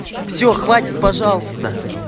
все хватит пожалуйста